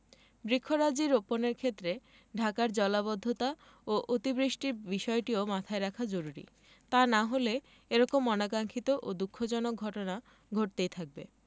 বৃক্ষরাজি রোপণের ক্ষেত্রে ঢাকার জলাবদ্ধতা ও অতি বৃষ্টির বিষয়টিও মাথায় রাখা জরুরী তা না হলে এ রকম অনাকাংক্ষিত ও দুঃখজনক ঘটনা ঘটতেই থাকবে